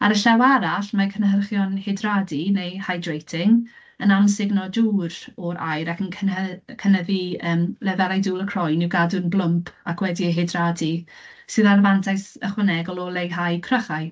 Ar y llaw arall, mae cynhyrchion hydradu, neu hydrating, yn amsugno dŵr o'r aer ac yn cynhy- cynyddu, yym, lefelau dŵr y croen i'w gadw'n blwmp ac wedi'i hydradu, sydd â'r mantais ychwanegol o leihau crychau.